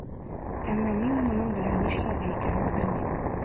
Әмма мин моның белән нишләргә икәнен белмим.